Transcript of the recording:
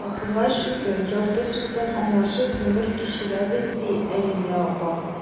Аллаһыга шөкер, ярты сүздән аңлашып гомер кичерәбез,— ди Алинә апа.